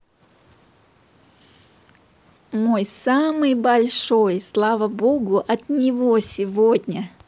мой самый большой слава богу от него сегодня